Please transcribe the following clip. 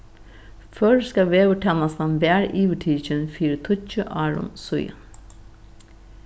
føroyska veðurtænastan varð yvirtikin fyri tíggju árum síðan